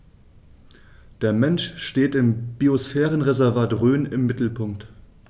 Der Mensch steht im Biosphärenreservat Rhön im Mittelpunkt.